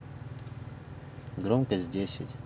громкость десять